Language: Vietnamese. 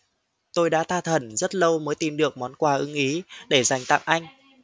tôi đã tha thẩn rất lâu mới tìm được món quà ưng ý để dành tặng anh